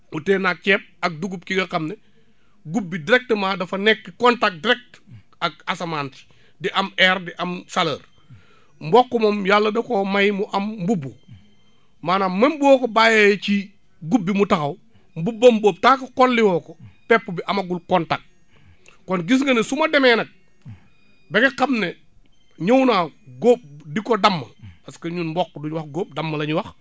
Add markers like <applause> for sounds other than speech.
utee naag ceeb ak dugub gi nga xam ne gub bi directement dafa nekk contact ak asamaan si di am air di am chaleur mboq moom yàlla da koo may mu am mbubu <noise> maanaam mêm boo ko bàyyee ci gub bi mu taxaw mbubvam boobu tant que xolli woo ko pepp bi amagul contact kon gis nga ne su ma demee nag ba nga xam ne ñëw naa góob di ko damm parce que ñun mboq du ñu wax góob damm la ñuy wax